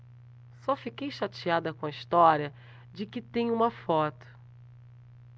só fiquei chateada com a história de que tem uma foto